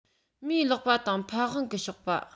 མིའི ལག པ དང ཕ ཝང གི གཤོག པ